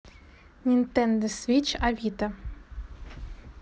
nintendo switch авито